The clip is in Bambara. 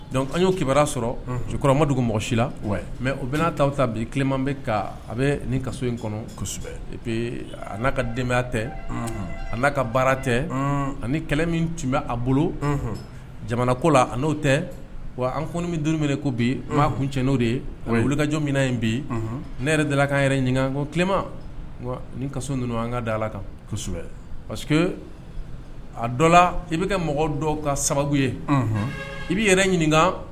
Dɔnku an y'o kibaruya sɔrɔkɔrɔmadugu mɔgɔ si la mɛ o bɛ n'a ta bima bɛ a ka in kɔnɔ kosɛbɛ a n'a ka denbaya tɛ'a ka baara tɛ ani kɛlɛ min tun bɛ a bolo jamana ko la a n'o tɛ wa an kɔni min dumuni minɛ ko bi'a kun cɛn n'o de yekajɔ min yen bi ne yɛrɛ deli ka an yɛrɛ ɲininka tilema ni kaso ninnu an ka da la kan kosɛbɛ pa que a dɔ la i bɛ kɛ mɔgɔ dɔ ka sababu ye i bɛ yɛrɛ ɲininka